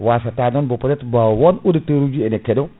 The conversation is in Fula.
wasata non bon peut être bon won auditeur uji ne keeɗo